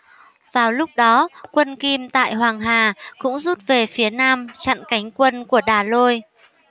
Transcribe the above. vào lúc đó quân kim tại hoàng hà cũng rút về phía nam chặn cánh quân của đà lôi